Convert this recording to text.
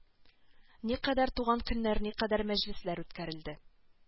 Никадәр туган көннәр никадәр мәҗлесләр үткәрелде